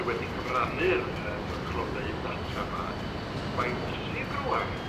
sy wedi cyfrannu'r yym y cronfeydd data 'ma mae'n bosib rŵan